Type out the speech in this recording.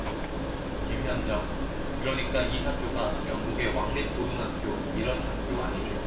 김현정 그러니까 이 학교가 영국의 왕립고등학교 이런 학교 아니죠